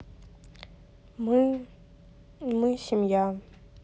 мы мы семья